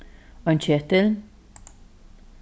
ein ketil